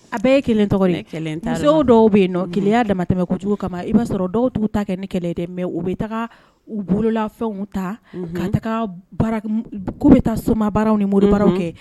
A bɛɛ ye kelen tɔgɔ de ye, ne kelen ta de ye, muson dɔw bɛ yen nɔn keleya damatɛmɛ kojugu kama ,i b'a sɔrɔ dɔw t'u ta kɛ ni kɛlɛ ye dɛ, mais u bɛ taga u bolola fɛnw ta, unhun, ka taga k'u bɛ taa somabararaw ni moribararaw kɛ.